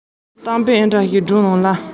མེད པས རྒད པོ ཁོས ད ལྟ